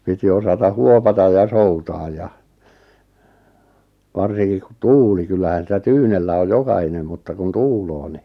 piti osata huovata ja soutaa ja varsinkin kun tuuli kyllähän sitä tyynellä on jokainen mutta kun tuulee niin